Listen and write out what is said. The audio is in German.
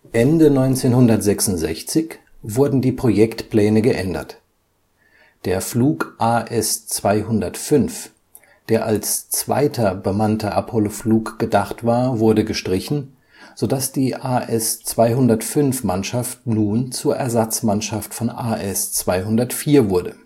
Ende 1966 wurden die Projektpläne geändert. Der Flug AS-205, der als zweiter bemannter Apolloflug gedacht war, wurde gestrichen, so dass die AS-205-Mannschaft nun zur Ersatzmannschaft von AS-204 wurde